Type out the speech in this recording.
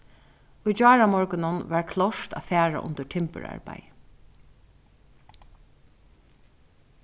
í gjáramorgunin var klárt at fara undir timburarbeiðið